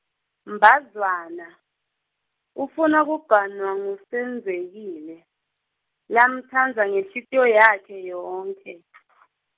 Mbazwana, ufuna kuganwa nguSenzekile, lamtsandza ngenhlitiyo yakhe yonkhe .